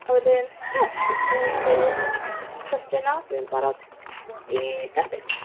A wedyn ia, unrhyw cwestiynnau, dwi'n barod i dderbyn.